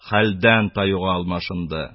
Хәлдән таюга алмашынды.